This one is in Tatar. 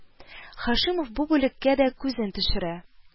Һашимов бу бүлеккә дә күзен төшерә